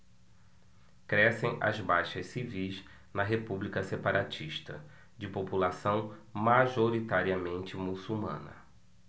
crescem as baixas civis na república separatista de população majoritariamente muçulmana